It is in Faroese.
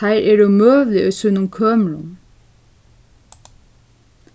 teir eru møguliga í sínum kømrum